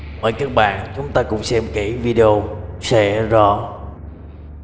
gặp phải chuyện gì mời các bạn chúng ta cùng xem kỹ video sẽ rõ